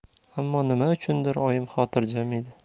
ammo nima uchundir oyim xotirjam edi